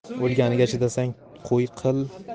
o'lganiga chidasang qo'y qil